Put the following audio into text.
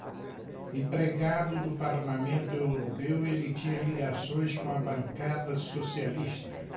empregado do parlamento europeu ele tinha ligações com a bancada socialista